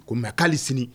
Kɔmi mɛ k'ale sini